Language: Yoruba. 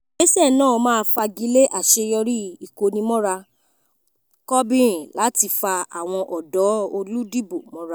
Ìgbéṣẹ̀ náà máa fagilé àṣeyọrí ìkónimọ́ra Corbyn láti fa àwọn ọ̀dọ́ olùdìbò mọ́ra.